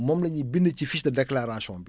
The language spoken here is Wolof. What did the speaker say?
moom la ñuy bind ci fiche de déclaration bi bi